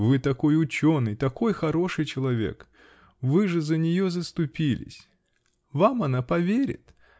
Вы такой ученый, такой хороший человек! Вы же за нее заступились. Вам она поверит!